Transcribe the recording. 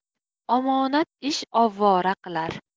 omonat ish ovora qilar